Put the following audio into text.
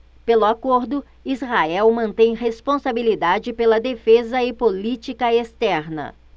pelo acordo israel mantém responsabilidade pela defesa e política externa